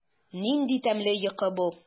Нинди тәмле йокы бу!